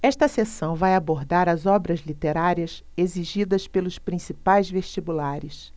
esta seção vai abordar as obras literárias exigidas pelos principais vestibulares